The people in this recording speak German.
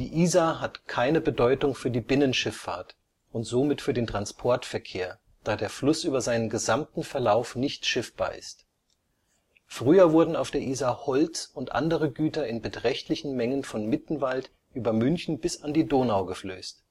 Isar hat keine Bedeutung für die Binnenschifffahrt und somit für den Transportverkehr, da der Fluss über seinen gesamten Verlauf nicht schiffbar ist. Früher wurden auf der Isar Holz und andere Güter in beträchtlichen Mengen von Mittenwald über München bis an die Donau geflößt